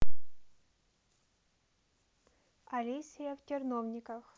алисия в терновниках